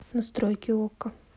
настройки окко